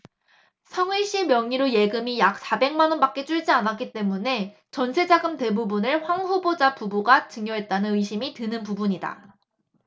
성희씨 명의의 예금이 약 사백 만원밖에 줄지 않았기 때문에 전세자금 대부분을 황 후보자 부부가 증여했다는 의심이 드는 부분이다